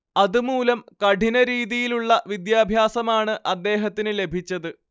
അതുമൂലം കഠിനരീതിയിലുള്ള വിദ്യാഭാസമാണ് അദ്ദേഹത്തിന് ലഭിച്ചത്